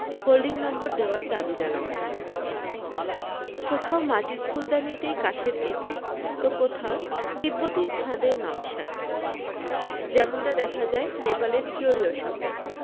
holding number দেওয়ার দাবি জানাচ্ছিলাম কোথাও মাটির ফূলদানিতেই কাঠের এফেক্ট তো কোথাও তিব্বতি ছাঁদের নকশা যেমনটা দেখা যায় নেপালের কিউরিও শপে